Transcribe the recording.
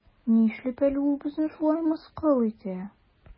Нишләп әле ул безне шулай мыскыл итә?